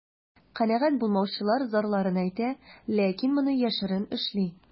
Канәгать булмаучылар зарларын әйтә, ләкин моны яшерен эшли.